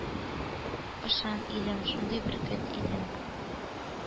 Ышан, илем, шундый бөркет идем.